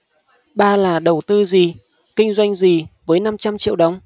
ba là đầu tư gì kinh doanh gì với năm trăm triệu đồng